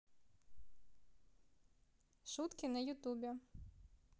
шутки на ютубе